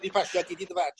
'Di pasio gei di dy fadge.